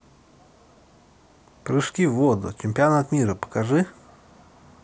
прыжки в воду чемпионат мира покажи